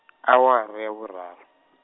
awara ya vhuraru.